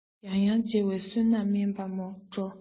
ཡང ཡང མཇལ བའི བསོད ནམས སྨིན པས སྤྲོ